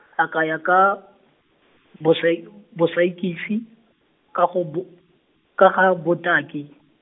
a kaya ka, bosai- , bosekisi, ka go bo, ka ga botaki .